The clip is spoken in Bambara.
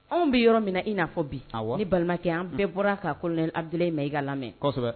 Anw bɛ yɔrɔ min i n'a fɔ bi ni balimakɛ an bɛɛ bɔra ka ko an bilen ma i ka lamɛn